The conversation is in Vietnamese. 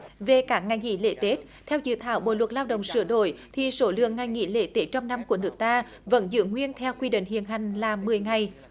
về các ngày nghỉ lễ tết theo dự thảo bộ luật lao động sửa đổi thì số lượng ngày nghỉ lễ tết trong năm của nước ta vẫn giữ nguyên theo quy định hiện hành là mười ngày